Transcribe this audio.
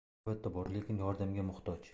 albatta bor lekin yordamga muhtoj